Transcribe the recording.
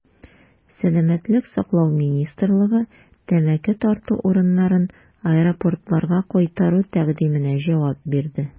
Сәламәтлек саклау министрлыгы тәмәке тарту урыннарын аэропортларга кайтару тәкъдименә җавап бирде.